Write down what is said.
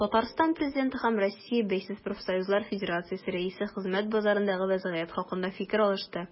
Татарстан Президенты һәм Россия Бәйсез профсоюзлар федерациясе рәисе хезмәт базарындагы вәзгыять хакында фикер алышты.